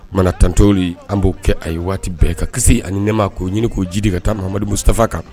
Mana tantɔli an b'o kɛ a ye waati bɛɛ ka kisi ani nɛ m ma ko ɲini k ko ji de ka taa mahamadumu dafa kan